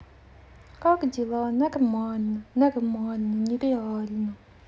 как дела нормально нормально нереально